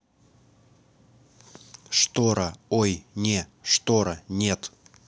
штора ой не штора нет